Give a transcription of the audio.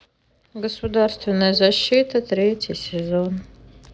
государственная защита третий сезон